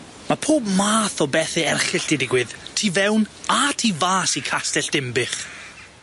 Ma' pob math o bethe erchyll 'di digwydd tu fewn a tu fas i Castell Dinbych.